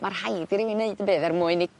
ma' rhaid i rili neud yn bydd er mwy i